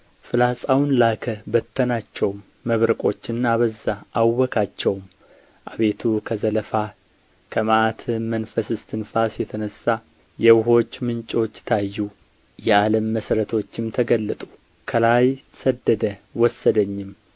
ፍላጻውን ላከ በተናቸውም መብረቆችን አበዛ አወካቸውም አቤቱ ከዘለፋህ ከመዓትህም መንፈስ እስትንፋስ የተነሣ የውኆች ምንጮች ታዩ የዓለም መሠረቶችም ተገለጡ ከላይ ሰደደ ወሰደኝም